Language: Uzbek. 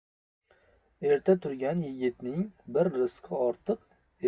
erta turgan yigitning bir rizqi ortiq